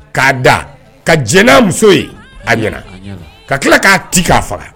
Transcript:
K'a da ka j' muso ye a ɲɛna ka tila k'a ci k'a faga